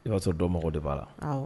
I y'a sɔrɔ dɔn mɔgɔ de b'a la